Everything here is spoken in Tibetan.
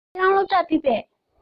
ཁྱེད རང སློབ གྲྭར ཕེབས པས